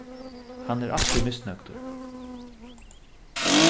hann er altíð misnøgdur